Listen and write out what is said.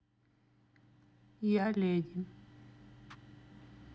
я леди